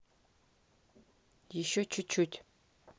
еще чуть чуть